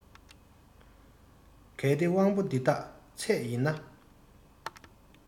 གལ ཏེ དབང པོ འདི དག ཚད ཡིན ན